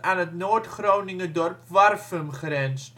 aan het Noord-Groninger dorp Warffum grenst.